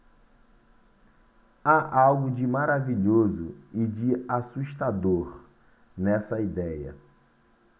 há algo de maravilhoso e de assustador nessa idéia